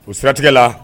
O siratigɛ la